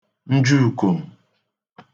njụụ kom̀